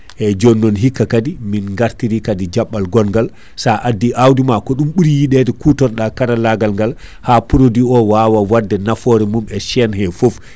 eyyi joni non hikka kaadi min gartiri jabɓal gongal sa addi awdi ma ko ɗum ɓuuri yiɗede kutoroɗa karallagal ngal ha produit o wawa wadde nafoore mum e chaine he foof